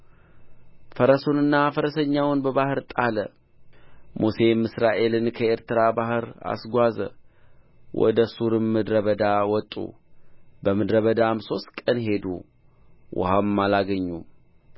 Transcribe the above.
ፈረሱንና ፈረሰኛውን በባሕር ጣለ ሙሴም እስራኤልን ከኤርትራ ባሕር አስጓዘ ወደ ሱርም ምድረ በዳ ወጡ በምድረ በዳም ሦስት ቀን ሄዱ ውኃም አላገኙም